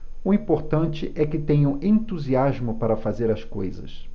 o importante é que tenho entusiasmo para fazer as coisas